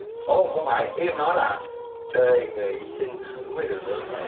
ô không phải ý em nói là đề nghị xin thử mới được